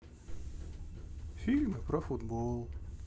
фильмы про футбол